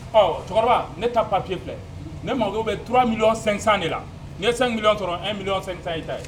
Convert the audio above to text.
Ɔ cɛkɔrɔba ne ta papier filɛ ne mako 3 millions 500 de la ni ye 5 millions sɔrɔ 1miliion 500 y'i ta ye!